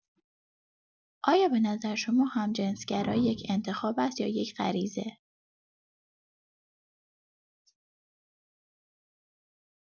آیا به نظر شما همجنس‌گرایی یک انتخاب است یا یک غریزه؟